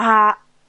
a